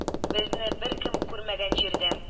Безне беркем күрмәгән җирдә.